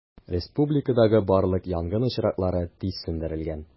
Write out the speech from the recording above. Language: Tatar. Республикадагы барлык янгын очраклары тиз сүндерелгән.